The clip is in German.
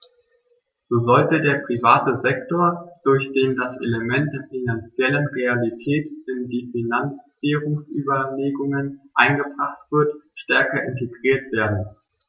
So sollte der private Sektor, durch den das Element der finanziellen Realität in die Finanzierungsüberlegungen eingebracht wird, stärker integriert werden.